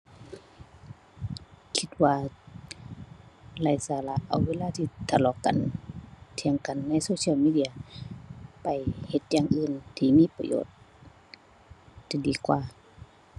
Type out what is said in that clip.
คิดว่าไร้สาระ เอาเวลาที่ทะเลาะกัน เถียงกันใน social media ไปเฮ็ดอย่างอื่นที่มีประโยชน์จะดีกว่า